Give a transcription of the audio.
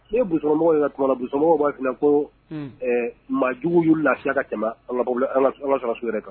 Ne bu yɛrɛ tumaumana na busamɔgɔ b' ko maajugu wulila lafiya ka ca ala ala sɔrɔ so yɛrɛ kan